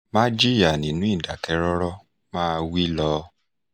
Má jìyà nínú Ìdáké̩ró̩ró̩ — máa wí lọ